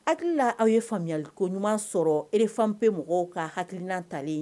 Hakilila aw ye faamuyali ko ɲuman sɔrɔ erfan pe mɔgɔw ka hakilikilina talen